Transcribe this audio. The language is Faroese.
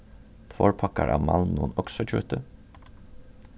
tveir pakkar av malnum oksakjøti